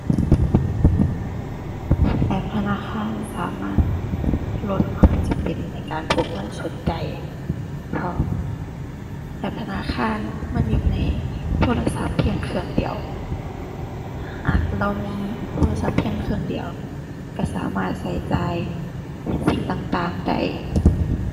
แอปธนาคารสามารถลดความจำเป็นในการพกเงินสดได้ เพราะแอปธนาคารมันอยู่ในโทรศัพท์เพียงเครื่องเดียว หากเรามีโทรศัพท์เพียงเครื่องเดียวก็สามารถก็จ่ายสิ่งต่างต่างได้